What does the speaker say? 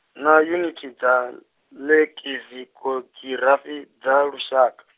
na yuniti dza, lekizikhogirafi dza lushaka.